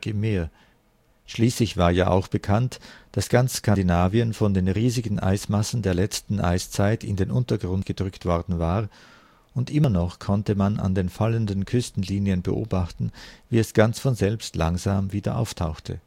Meer. Schließlich war ja auch bekannt, dass ganz Skandinavien von den riesigen Eismassen der letzten Eiszeit in den Untergrund gedrückt worden war, und immer noch konnte man an den fallenden Küstenlinien beobachten, wie es ganz von selbst langsam wieder auftauchte